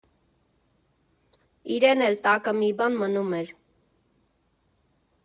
Իրեն էլ տակը մի բան մնում էր։